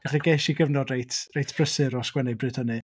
Felly ges i gyfnod reit reit brysur o sgwennu bryd hynny.